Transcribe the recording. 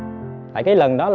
tại cái lần đó